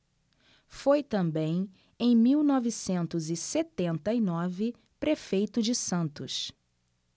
foi também em mil novecentos e setenta e nove prefeito de santos